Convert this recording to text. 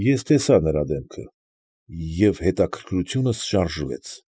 Ես տեսա նրա դեմքը, և հետաքրքրությունս շարժվեց։